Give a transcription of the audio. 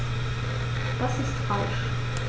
Das ist falsch.